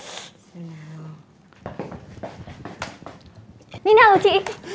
như nào rồi chị